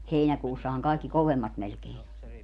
heinäkuussahan kaikki kovemmat melkein on